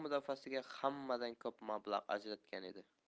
mudofaasiga hammadan ko'p mablag' ajratgan edi